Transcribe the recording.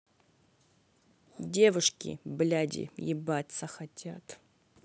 девушки бляди ебаться хотят